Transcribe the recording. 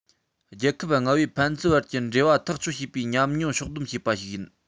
རྒྱལ ཁབ ལྔ པོས ཕན ཚུན བར གྱི འབྲེལ བ ཐག གཅོད བྱེད པའི ཉམས མྱོང ཕྱོགས སྡོམ བྱས པ ཞིག ཡིན